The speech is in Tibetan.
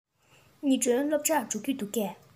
ཉི སྒྲོན སློབ གྲྭར འགྲོ གི འདུག གས